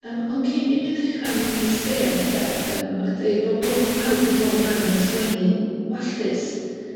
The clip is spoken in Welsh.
Yym on' cyn i mi ddechra mynd i stem ynde yym a deud bo' po- pawb yn bob man yn sgwennu'n wallus